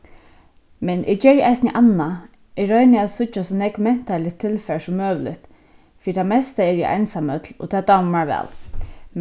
men eg geri eisini annað eg royni at síggja so nógv mentanarligt tilfar sum møguligt fyri tað mesta eri eg einsamøll og tað dámar mær væl